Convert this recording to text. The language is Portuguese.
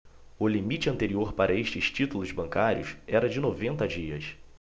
o limite anterior para estes títulos bancários era de noventa dias